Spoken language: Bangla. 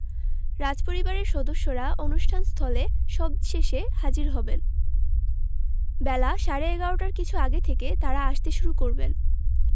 রাজপরিবারের সদস্যরা অনুষ্ঠান স্থলে সবশেষে হাজির হবেন বেলা সাড়ে ১১টার কিছু আগে থেকে তাঁরা আসতে শুরু করবেন